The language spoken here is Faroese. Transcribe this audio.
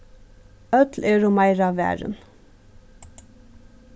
øll eru meira varin